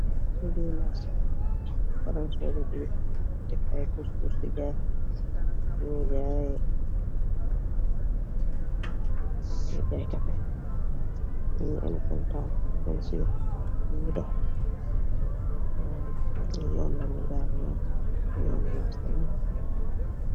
Bi marsina pranseribi tek ay pusus di gay gay kafe n enetental fensio ñi do yoonle mi daan yoon ko yooni marsa yi